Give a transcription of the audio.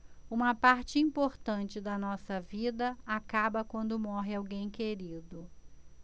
uma parte importante da nossa vida acaba quando morre alguém querido